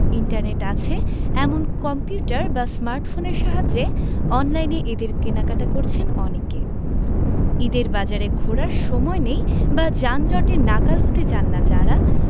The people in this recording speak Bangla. ইন্টারনেট আছে এমন কম্পিউটার বা স্মার্টফোনের সাহায্যে অনলাইনে ঈদের কেনাকাটা করছেন অনেকে ঈদের বাজারে ঘোরার সময় নেই বা যানজটে নাকাল হতে চান না যাঁরা